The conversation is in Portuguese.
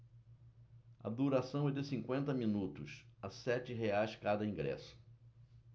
a duração é de cinquenta minutos a sete reais cada ingresso